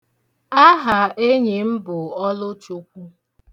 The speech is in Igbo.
Aha enyi m bụ Ọlụchukwu.